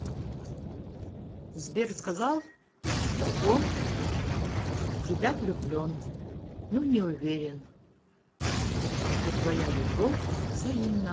сбер сказал то что он в тебя влюблен но не уверен то что твоя любовь взаимна